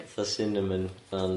Tha cinnamon...